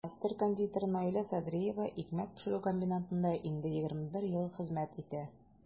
Мастер-кондитер Наилә Садриева икмәк пешерү комбинатында инде 21 ел хезмәт итә.